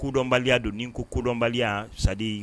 Kodɔnbaliya don nin kodɔnbaliya sa